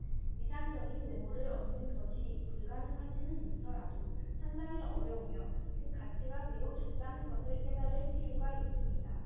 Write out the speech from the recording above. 이상적인 외모를 얻는 것이 불가능하지는 않더라도 상당히 어려우며 그 가치가 매우 적다는 것을 깨달을 필요가 있습니다